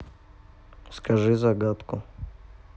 скажи загадку